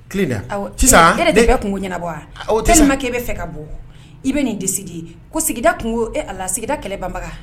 Tile la sisan de bɛ kungo ɲɛnabɔ wa te k' e bɛ fɛ ka bɔ i bɛ nin de sigi ko sigida a la sigida kɛlɛ banbaga